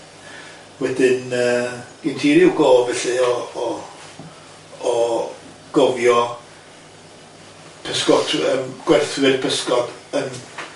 Wedyn yy gen ti ryw go' felly o o o gofio pysgotwr yym gwerthwyr pysgod dal i pysgod eu hunian dwyt?